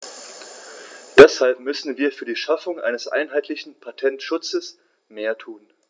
Deshalb müssen wir für die Schaffung eines einheitlichen Patentschutzes mehr tun.